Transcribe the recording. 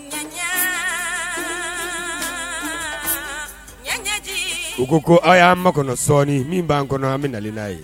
U ko ko ayiwa an ma kɔnɔ sɔɔni min b'an kɔnɔ an bɛ na n'a ye